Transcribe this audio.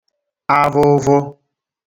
avụvụ